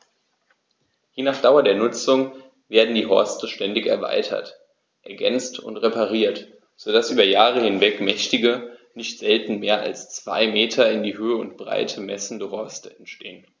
Je nach Dauer der Nutzung werden die Horste ständig erweitert, ergänzt und repariert, so dass über Jahre hinweg mächtige, nicht selten mehr als zwei Meter in Höhe und Breite messende Horste entstehen.